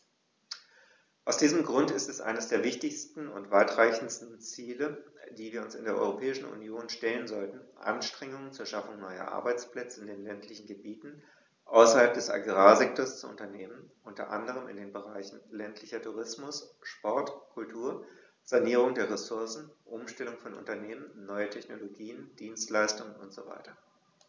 Aus diesem Grund ist es eines der wichtigsten und weitreichendsten Ziele, die wir uns in der Europäischen Union stellen sollten, Anstrengungen zur Schaffung neuer Arbeitsplätze in den ländlichen Gebieten außerhalb des Agrarsektors zu unternehmen, unter anderem in den Bereichen ländlicher Tourismus, Sport, Kultur, Sanierung der Ressourcen, Umstellung von Unternehmen, neue Technologien, Dienstleistungen usw.